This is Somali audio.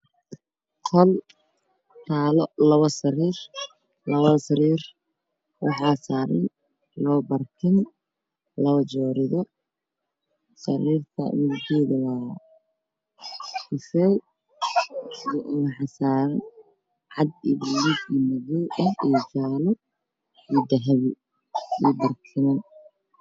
Waa qol waxaa yaalo labo sariir waxaa saaran labo barkin, labo joodari. Sariirta waa kafay go' ah cadaan, gaduud iyo madow.